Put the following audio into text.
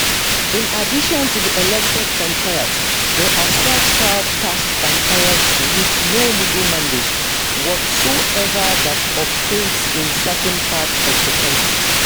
In addition to the elected panchayat, there are self-styled caste panchayats with no legal mandate whatsoever that operate in certain parts of the country.